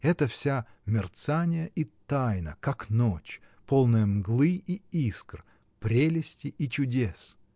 эта вся — мерцание и тайна, как ночь — полная мглы и искр, прелести и чудес!.